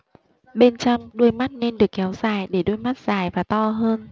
bên trong đuôi mắt nên được kéo dài để đôi mắt dài và to hơn